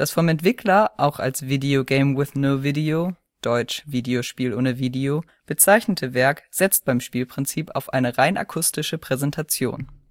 vom Entwickler auch als “video game with no video” (deutsch: „ Videospiel ohne Video “) bezeichnete Werk setzt beim Spielprinzip auf eine rein akustische Präsentation